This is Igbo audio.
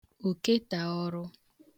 oketàọrụ